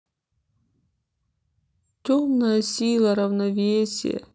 темная сила равновесие